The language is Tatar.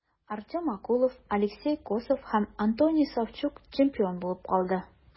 Артем Окулов, Алексей Косов һәм Антоний Савчук чемпион булып калды.